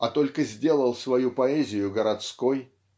а только сделал свою поэзию городской